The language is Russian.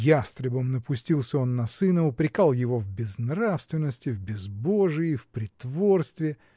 Ястребом напустился он на сына, упрекал его в безнравственности, в безбожии, в притворстве